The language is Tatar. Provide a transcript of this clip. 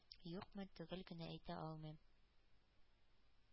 Юкмы, төгәл генә әйтә алмыйм.